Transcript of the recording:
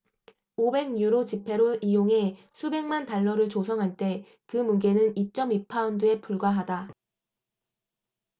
오백 유로 지폐로 이용해 수백만 달러를 조성할 때 그 무게는 이 쩜 이 파운드에 불과하다